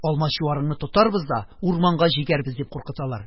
Алмачуарыңны тотарбыз да урманга җигәрбез, - дип куркыталар.